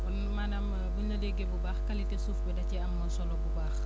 kon maanaam bu ñu la déggee bu baax qualité suuf bi da cee am solo bu baax